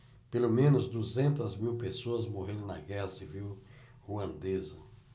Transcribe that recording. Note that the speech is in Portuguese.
pelo menos duzentas mil pessoas morreram na guerra civil ruandesa